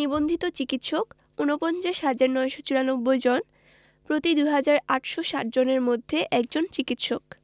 নিবন্ধিত চিকিৎসক ৪৯হাজার ৯৯৪ জন প্রতি ২হাজার ৮৬০ জনের জন্য একজন চিকিৎসক